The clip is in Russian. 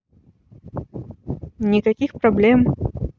никаких проблем